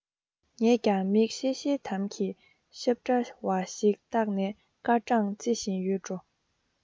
ངས ཀྱང མིག ཤེལ ཤེལ དམ གྱི ཞབས འདྲ བ ཞིག བཏགས ནས སྐར གྲངས རྩི བཞིན ཡོད འགྲོ